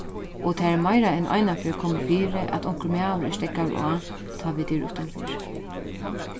og tað er meira enn einaferð komið fyri at onkur maður er steðgaður á tá vit eru uttanfyri